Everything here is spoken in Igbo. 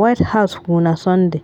White House kwuru na Sọnde.